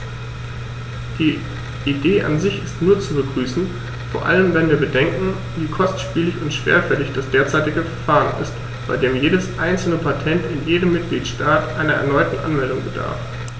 Die Idee an sich ist nur zu begrüßen, vor allem wenn wir bedenken, wie kostspielig und schwerfällig das derzeitige Verfahren ist, bei dem jedes einzelne Patent in jedem Mitgliedstaat einer erneuten Anmeldung bedarf.